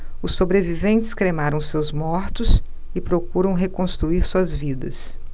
os sobreviventes cremaram seus mortos e procuram reconstruir suas vidas